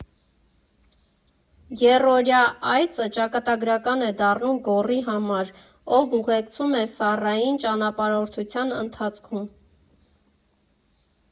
Եռօրյա այցը ճակատագրական է դառնում Գոռի համար, ով ուղեկցում է Սառային ճանապարհորդության ընթացքում.